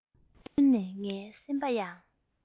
བསྟུན ནས ངའི སེམས པ ཡང